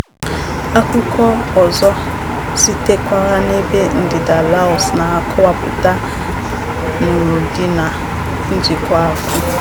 Akụkọ ọzọ sitekwara n'ebe ndịda Laos na-akọwapụta n'uru dị na njikwa akụ: